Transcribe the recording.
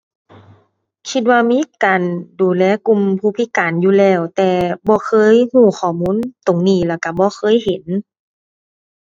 คิดว่ามีการดูแลกลุ่มผู้พิการอยู่แล้ว แต่บ่เคยรู้ข้อมูลตรงนี้แล้วรู้บ่เคยเห็น